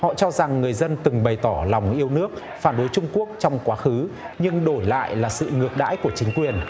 họ cho rằng người dân từng bày tỏ lòng yêu nước phản đối trung quốc trong quá khứ nhưng đổi lại là sự ngược đãi của chính quyền